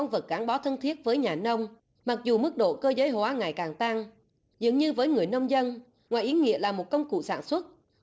con vật gắn bó thân thiết với nhà nông mặc dù mức độ cơ giới hóa ngày càng tăng dường như với người nông dân và ý nghĩa là một công cụ sản xuất